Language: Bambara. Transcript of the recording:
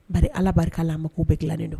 Bari Ala barika la a mago bɛɛ dilannen don